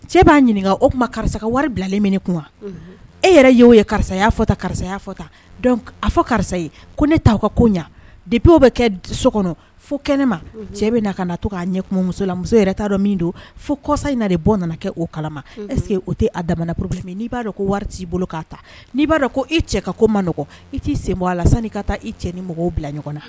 Cɛ b'a ɲininka o tuma karisa ka wari bilalen min kun e yɛrɛ y'o ye karisa fɔ ta karisa fɔ ta a fɔ karisa ye ko ne' ka ko ɲɛ de b bɛ kɛ so kɔnɔ fo kɛnɛ ma cɛ bɛ na ka na to k'a ɲɛ musola muso yɛrɛ t'a dɔn min don fo kɔsa in na de bɔ nana kɛ o kala ɛseke o tɛ da n'i b'a dɔn ko t'i bolo k'a ta n'i b'a dɔn ko e cɛ ka ko ma nɔgɔɔgɔn i t'i sen bɔ a la san n'i ka taa i cɛ ni mɔgɔw bila ɲɔgɔn na